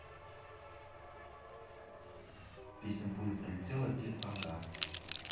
песня пуля пролетела и ага